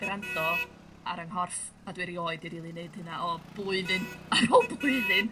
grando ar 'yng nghorff a dwi erioed 'di rili neud hyna o blwyddyn ar ôl blwyddyn.